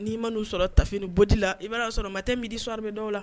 N'i ma n'u sɔrɔ tafe ni body la i bɛ n'a sɔrɔ matin midi soir bɛ dɔw la